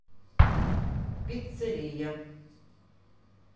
пиццерия